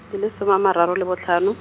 di le soma a mararo le botlhano.